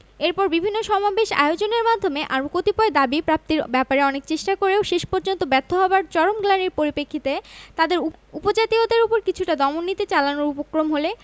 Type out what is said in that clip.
এরপর বিভিন্ন সামবেশ আয়োজনের মাধ্যমে আরো কতিপয় দাবী প্রাপ্তির ব্যঅপারে অনেক চেষ্টা করেও শেষ পর্যন্ত ব্যর্থ হবার চরম গ্লানির পরিপ্রেক্ষিতে তাদের উপজাতীয়দের ওপর কিছুটা দমন নীতি চালানোর উপক্রম হলে